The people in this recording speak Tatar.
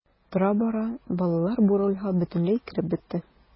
Тора-бара балалар бу рольгә бөтенләй кереп бетте.